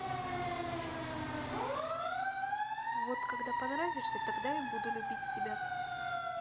вот когда понравишься тогда буду любить тебя